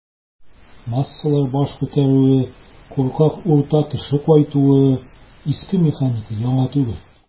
"массалар баш күтәрүе", куркак "урта кеше" кайтуы - иске механика, яңа түгел.